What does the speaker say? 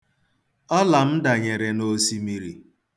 Ọla m danyere n'osimiri.